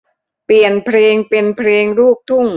เปลี่ยนเพลงเป็นเพลงลูกทุ่ง